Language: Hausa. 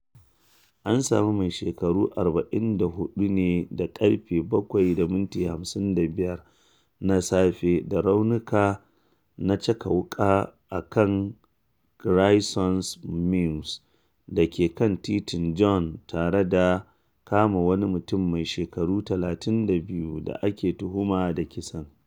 An sami mai shekaru 44 ne da ƙarfe 7:55 na safe da raunuka na caka wuka a kan Grayson Mews da ke kan Titin John, tare da kama wani mutum mai shekaru 32 da ake tuhuma da kisan.